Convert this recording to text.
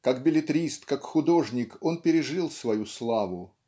Как беллетрист, как художник, он пережил свою славу